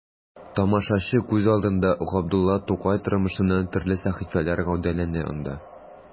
Тамашачы күз алдында Габдулла Тукай тормышыннан төрле сәхифәләр гәүдәләнә анда.